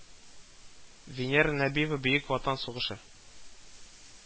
Венера Нәбиева Бөек Ватан сугышы